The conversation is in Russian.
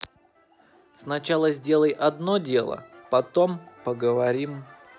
сначала сделай одно дело потом поговорим